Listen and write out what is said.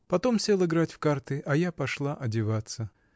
— Потом сел играть в карты, а я пошла одеваться